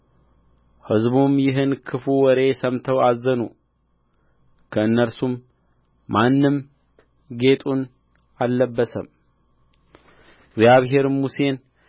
ሕዝቡም ይህን ክፉ ወሬ ሰምተው አዘኑ ከእነርሱም ማንም ጌጡን አልለበሰም እግዚአብሔርም ሙሴን